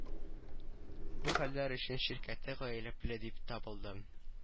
Бу хәлләр өчен ширкәте гаепле дип табылды